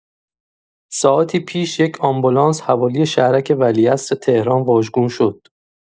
ساعاتی پیش یک آمبولانس حوالی شهرک ولیعصر تهران واژگون شد.